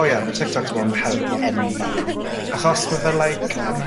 O ie ma' TikTok wedi bod yn help enfawr, achos ma' fe like